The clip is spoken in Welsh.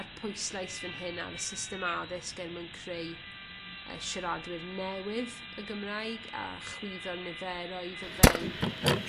a'r pwyslais fyn hyn ar y system addysg er mwyn creu y siaradwyr newydd y Gymraeg a chwyddo'r niferoedd o fewn